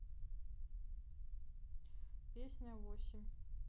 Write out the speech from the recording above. песня восемь